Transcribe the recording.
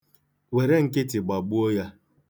Were nkịtị gbagbuo ya.